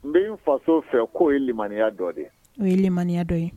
N bɛ n faso fɛ k'o ye maniya dɔ ye o ye mmaniya dɔ ye